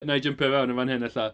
Wna i jympio mewn yn fan hyn ella.